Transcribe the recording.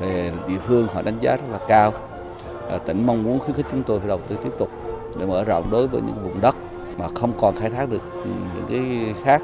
về địa phương họ đánh giá cao ở tỉnh mong muốn khuyến khích chúng tôi đầu tư tiếp tục để mở rộng đối với những vùng đất mà không còn khai thác những cái khác